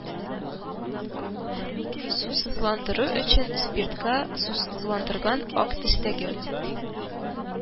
Сусыз ландыру өчен, спиртка сусызландырылган (ак төстәге)